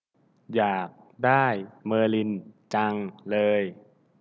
อยากได้เมอร์ลินจังเลย